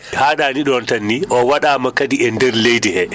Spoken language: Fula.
haaɗaani ɗoon tan ni o waɗaama kadi e ndeer leydi hee